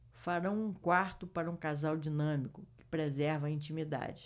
farão um quarto para um casal dinâmico que preserva a intimidade